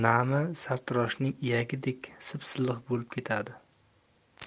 naim sartaroshning iyagidek sipsilliq bo'lib ketadi